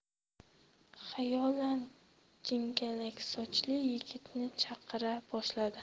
xayolan jingalaksochli yigitni chaqira boshladi